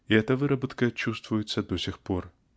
и эта выработка чувствуется до сих пор.